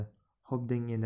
xo'p deng endi